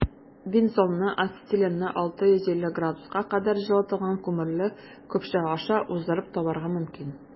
Бензолны ацетиленны 650 С кадәр җылытылган күмерле көпшә аша уздырып табарга мөмкин.